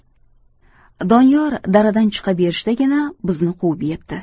doniyor daradan chiqa berishdagina bizni quvib yetdi